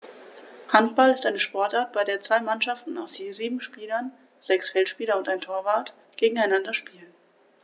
Handball ist eine Sportart, bei der zwei Mannschaften aus je sieben Spielern (sechs Feldspieler und ein Torwart) gegeneinander spielen.